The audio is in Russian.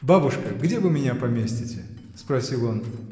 — Бабушка, где вы меня поместите? — спросил он.